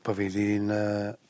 bo' fi 'di'n yy